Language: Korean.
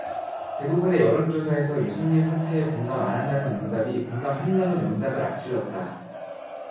대부분의 여론조사에서 유승민 사퇴에 공감 안 한다는 응답이 공감한다는 응답을 앞질렀다